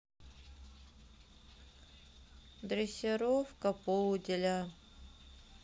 дрессировка пуделя